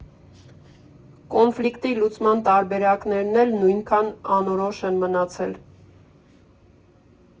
Կոնֆլիկտի լուծման տարբերակներն էլ նույնքան անորոշ են մնացել։